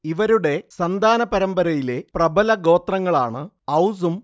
ഇവരുടെ സന്താന പരമ്പരയിലെ പ്രബല ഗോത്രങ്ങളാണ് ഔസും